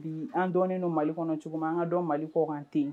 Bi an dɔnnen don Mali kɔnɔ cogo mi, an ka dɔn Mali kɔkan ten